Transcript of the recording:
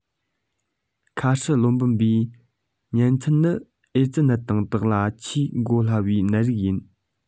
ཁཱ ཧྲི གློ སྦུབས འབུའི གཉན ཚད ནི ཨེ ཙི ནད པ དག ལ ཆེས འགོ སླ བའི ནད རིགས ཤིག རེད